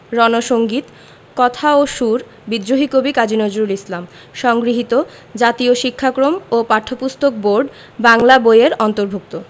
রন সঙ্গীত কথা ও সুর বিদ্রোহী কবি কাজী নজরুল ইসলাম সংগৃহীত জাতীয় শিক্ষাক্রম ও পাঠ্যপুস্তক বোর্ড বাংলা বই এর অন্তর্ভুক্ত